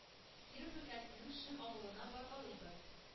Киров өлкәсенең Шөн авылына баргалыйбыз.